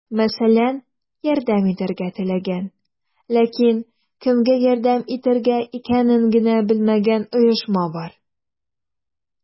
Мәсәлән, ярдәм итәргә теләгән, ләкин кемгә ярдәм итергә икәнен генә белмәгән оешма бар.